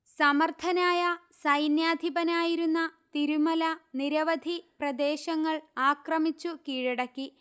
സമർഥനായ സൈന്യാധിപനായിരുന്ന തിരുമല നിരവധി പ്രദേശങ്ങൾ ആക്രമിച്ചു കീഴടക്കി